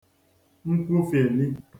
nkwufièli